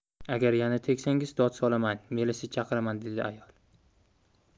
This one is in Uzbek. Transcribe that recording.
agar yana tegsangiz dod solaman milisa chaqiraman dedi ayol